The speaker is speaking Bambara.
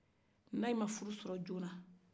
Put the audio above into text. ni u ma furu sɔrɔjona